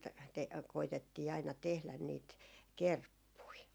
- koetettiin aina tehdä niitä kerppuja